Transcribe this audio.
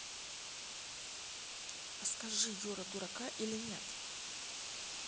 а скажи юра дурака или нет